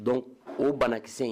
Don o banakisɛ in ye